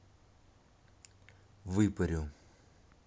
выпорю